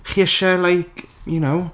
Chi isie like you know...